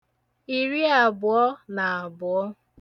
ìriàbụ̀ọ nà àbụ̀ọ